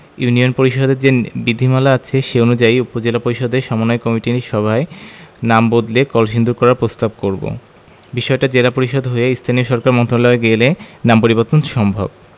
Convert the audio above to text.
union পরিষদের যে বিধিমালা আছে সে অনুযায়ী উপজেলা পরিষদের সমন্বয় কমিটির সভায় নাম বদলে কলসিন্দুর করার প্রস্তাব করব বিষয়টা জেলা পরিষদ হয়ে স্থানীয় সরকার মন্ত্রণালয়ে গেলে নাম পরিবর্তন সম্ভব